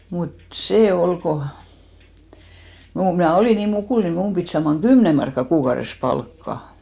mutta se oli kun - minä olin niin mukula niin minun piti saaman kymmenen markkaa kuukaudessa palkkaa